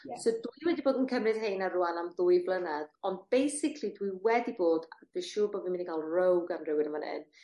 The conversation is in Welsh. Ie. So dwi wedi bod yn cymryd rheina rŵan am ddwy flynedd, ond basically dwi wedi bod, fi siŵr bo' fi myn' i ga'l row gan rywun yn fan 'yn